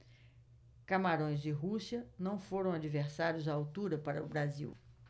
camarões e rússia não foram adversários à altura para o brasil